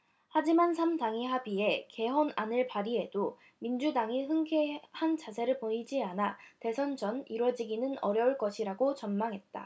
하지만 삼 당이 합의해 개헌안을 발의해도 민주당이 흔쾌한 자세를 보이지 않아 대선 전 이뤄지기는 어려울 것이라고 전망했다